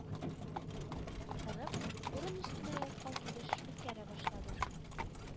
Гырып, урын өстенә яткан килеш үткәрә башлады